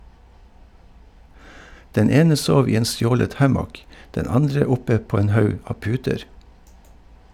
Den ene sov i en stjålet hammock, den andre oppe på en haug av puter.